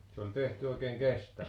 se oli tehty oikein kestävä